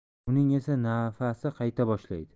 uning esa nafasi qayta boshlaydi